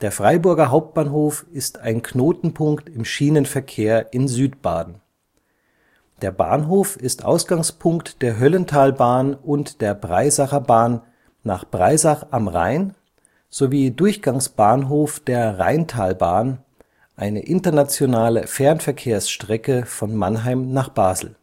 Freiburger Hauptbahnhof ist ein Knotenpunkt im Schienenverkehr in Südbaden. Der Bahnhof ist Ausgangspunkt der Höllentalbahn und der Breisacher Bahn nach Breisach am Rhein sowie Durchgangsbahnhof der Rheintalbahn, eine internationale Fernverkehrsstrecke von Mannheim nach Basel